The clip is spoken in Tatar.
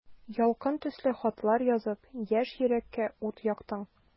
Ялкын төсле хатлар язып, яшь йөрәккә ут яктың.